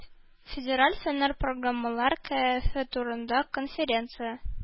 Федераль фэннэр программалар кәефе турында конференция.